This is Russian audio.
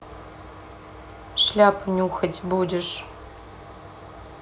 шляпу нюхать будешь